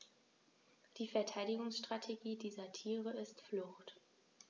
Die Verteidigungsstrategie dieser Tiere ist Flucht.